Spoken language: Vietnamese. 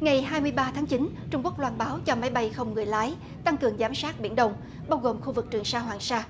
ngày hai mươi ba tháng chín trung quốc loan báo cho máy bay không người lái tăng cường giám sát biển đông bao gồm khu vực trường sa hoàng sa